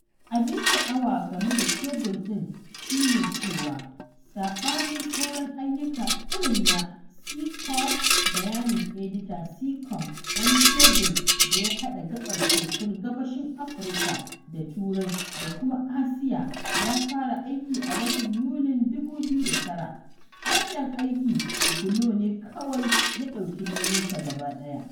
Abin sha'awa game da kebul ɗin shi ne cewa, saɓanin sauran ayyuka irin na Seacom [Bayanin edita: Seacom, wani kebul da ya haɗa gaɓar tekun Gabashin Afirka da Turai da kuma Asiya, ya fara aiki a watan Yulin 2009], wannan aiki Glo ne kawai ya ɗauki nauyinsa gaba ɗaya.